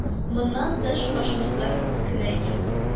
Моннан тыш, Башкортстан күп кенә Ев